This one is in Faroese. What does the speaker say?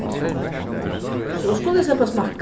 so skuldu tey sleppa at smakka